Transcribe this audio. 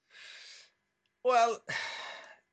Wel